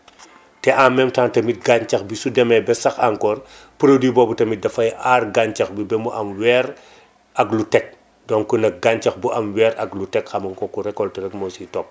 te en même temps tamit gàncax bi su demee ba sax encore produit boobu tamit dafay aar ba mu am weer ak lu teg donc nag gàncax bu am weer ak lu teg xam nga kooku récolte rek moo siy topp